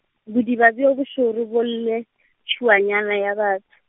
bodiba bjo bošoro bo lle, tšhuanyana ya batho.